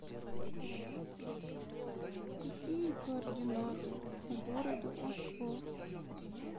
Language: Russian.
какие координаты у города москва